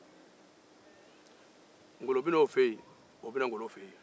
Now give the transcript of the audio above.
ŋolo be na o fɛ yen a bɛ na ŋolo fe yen